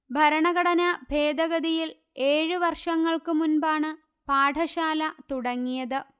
ഭരണഘടനാ ഭേദഗതിയിൽ എഴ് വർഷങ്ങൾക്ക് മുന്പാണ് പാഠശാല തുടങ്ങിയത്